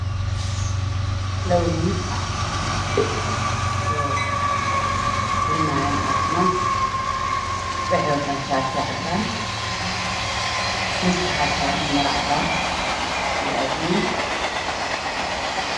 Wiil weyn iyo wiilyar ayaa meeshaan baraati kaal ku sameynayo